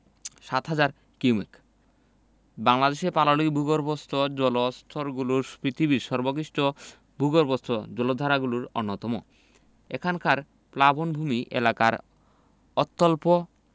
৭হাজার cumec বাংলাদেশের পাললিক ভূগর্ভস্থ জলস্তরগুলো পৃথিবীর সর্বোৎকৃষ্টভূগর্ভস্থ জলাধারগুলোর অন্যতম এখানকার প্লাবনভূমি এলাকায় অত্যল্প